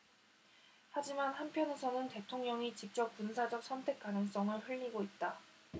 하지만 한편에서는 대통령이 직접 군사적 선택 가능성을 흘리고 있다